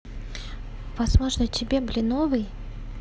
возможно тебе блиновый